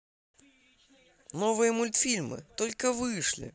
новые мультфильмы только вышли